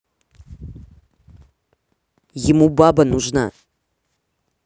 ему баба нужна